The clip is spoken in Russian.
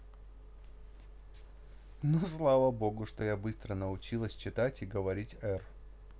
ну слава богу что я быстро научилась читать и говорить р